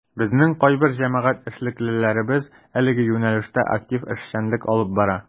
Безнең кайбер җәмәгать эшлеклеләребез әлеге юнәлештә актив эшчәнлек алып бара.